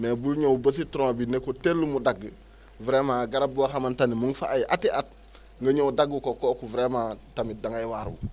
mais bul ñëw ba si tronc bi ne ko téll mu dagg vraiment garab boo xamante ni mu ngi fa ay ati at nga ñëw dagg ko kooku vraiment tamit da ngay waaru